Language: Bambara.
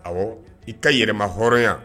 Ɔwɔ i ka yɛlɛma hɔrɔnya